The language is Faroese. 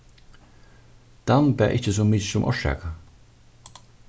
dan bað ikki so mikið sum orsaka